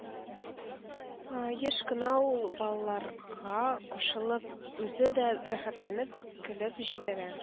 Еш кына ул, балаларга кушылып, үзе дә рәхәтләнеп көлеп җибәрә.